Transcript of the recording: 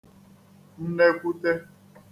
nnekwutē